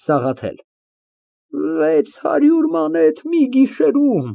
ՍԱՂԱԹԵԼ ֊ Վեց հարյուր մանեթ, մի գիշերում։